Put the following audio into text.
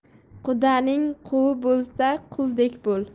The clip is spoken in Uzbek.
qudang qui bo'lsa quldek bo'l